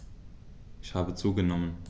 Ich habe zugenommen.